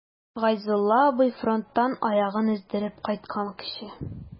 Гайзулла абый— фронттан аягын өздереп кайткан кеше.